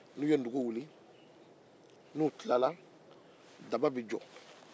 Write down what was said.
n'u ye dugu wuli n'u tilala daba bɛ jɔ